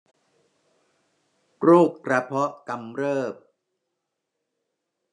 โรคกระเพาะกำเริบ